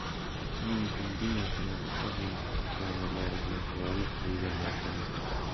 shuning uchun bu narsalar ozgina qon tomirlari bilan bog'liq bo'lgan narsalar